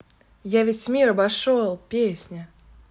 я весь мир обошел песня